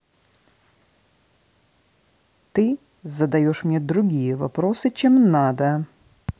ты задаешь мне другие вопросы чем надо